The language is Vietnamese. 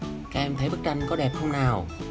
các em thấy bức tranh có đẹp không nào